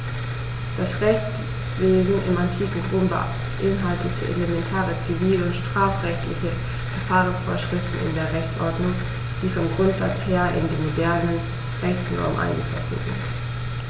Das Rechtswesen im antiken Rom beinhaltete elementare zivil- und strafrechtliche Verfahrensvorschriften in der Rechtsordnung, die vom Grundsatz her in die modernen Rechtsnormen eingeflossen sind.